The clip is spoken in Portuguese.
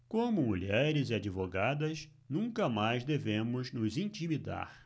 como mulheres e advogadas nunca mais devemos nos intimidar